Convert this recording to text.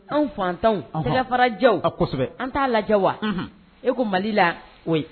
Anw faantanw, tɛgɛfarajɛw, kosɛbɛ, an t'a lajɛ wa, e ko Mali la oui